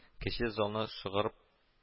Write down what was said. Кече залны